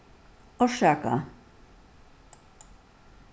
orsaka